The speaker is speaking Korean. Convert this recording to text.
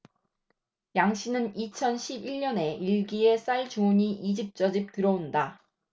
양씨는 이천 십 일 년에 일기에 쌀 주문이 이집저집 들어온다